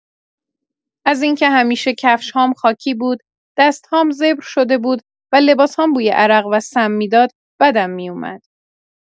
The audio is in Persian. از اینکه همیشه کفش‌هام خاکی بود، دست‌هام زبر شده بود و لباس‌هام بوی عرق و سم می‌داد، بدم می‌اومد.